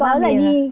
có giải nhì